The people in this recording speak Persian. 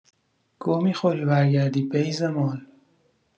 گو مخوری برگردی بیضه مال